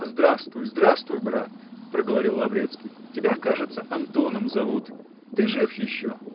-- Здравствуй, здравствуй, брат, -- проговорил Лаврецкий, -- тебя, кажется, Антоном зовут? Ты жив еще?